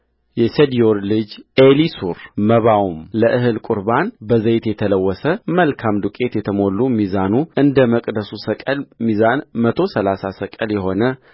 የሰዲዮር ልጅ ኤሊሱርመባውም ለእህል ቍርባን በዘይት የተለወሰ መልካም ዱቄት የተሞሉ ሚዛኑ እንደ መቅደሱ ሰቅል ሚዛን መቶ ሠላሳ ሰቅል የሆነ